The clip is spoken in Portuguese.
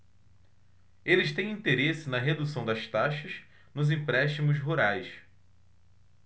eles têm interesse na redução das taxas nos empréstimos rurais